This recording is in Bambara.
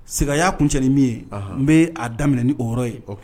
Seginnaya kuncani min ye n bɛ'a daminɛ ni o yɔrɔ ye